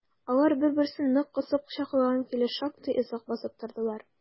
Алар бер-берсен нык кысып кочаклаган килеш шактый озак басып тордылар.